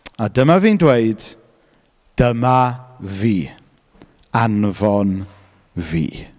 A dyma fi'n dweud, dyma fi. Anfon fi.